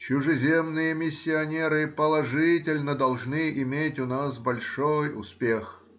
чужеземные миссионеры положительно должны иметь у нас большой успех.